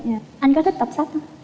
dạ anh có thích đọc sách hông